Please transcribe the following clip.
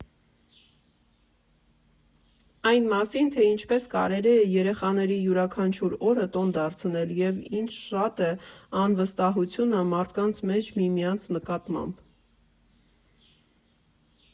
Այն մասին, թե ինչպես կարելի է երեխաների յուրաքանչյուր օրը տոն դարձնել և ինչ շատ է անվստահությունը մարդկանց մեջ միմյանց նկատմամբ.